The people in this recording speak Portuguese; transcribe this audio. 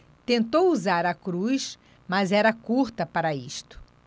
tentou usar a cruz mas era curta para isto